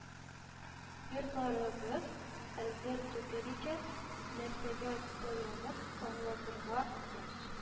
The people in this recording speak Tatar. Йортларыбыз әзер түгел икән, нәрсәгә таянып аңлатырга яшь